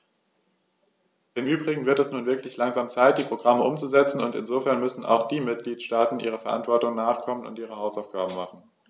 Im übrigen wird es nun wirklich langsam Zeit, die Programme umzusetzen, und insofern müssen auch die Mitgliedstaaten ihrer Verantwortung nachkommen und ihre Hausaufgaben machen.